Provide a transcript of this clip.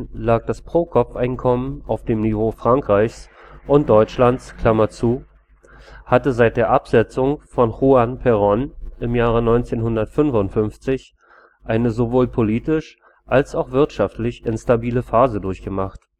lag das Pro-Kopf-Einkommen auf dem Niveau Frankreichs und Deutschlands), hatte seit der Absetzung von Juan Perón im Jahr 1955 eine sowohl politisch als auch wirtschaftlich instabile Phase durchgemacht